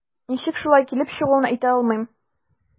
Ничек шулай килеп чыгуын әйтә алмыйм.